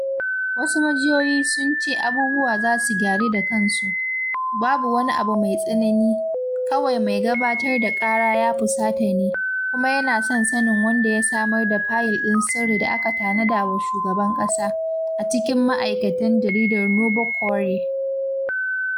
Wasu majiyoyi sun ce abubuwa za su gyaru da kansu, "babu wani abu mai tsanani, kawai mai gabatar da ƙara ya fusata ne, kuma yana son sanin wanda ya samar da fayil ɗin sirri da aka tanada wa shugaban ƙasa, a cikin ma'aikatan jaridar Nouveau Courrier.